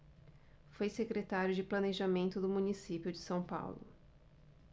foi secretário de planejamento do município de são paulo